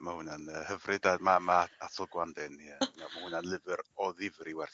Ma' wnna'n yy hyfryd a ma' ma' Atul Gawande ie na- ma' hwnna'n lyfyr o ddifri werth...